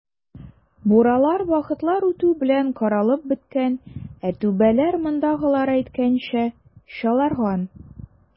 Буралар вакытлар үтү белән каралып беткән, ә түбәләр, мондагылар әйткәнчә, "чаларган".